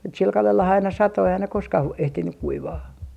mutta sillä kalellahan aina satoi eihän ne koskaan - ehtinyt kuivaa